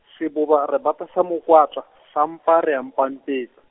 Seboba re bata sa mokwatla, sa mpa re a mpampe- .